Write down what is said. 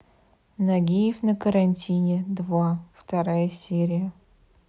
нагиев на карантине два вторая серия